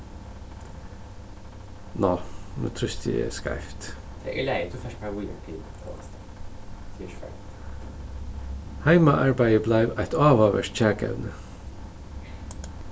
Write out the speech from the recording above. heimaarbeiðið bleiv eitt áhugavert kjakevni